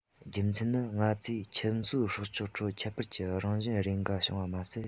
རྒྱུ མཚན ནི ང ཚོས ཁྱིམ གསོས སྲོག ཆགས ཁྲོད ཁྱད པར གྱི རང བཞིན རེ འགའ བྱུང བ མ ཟད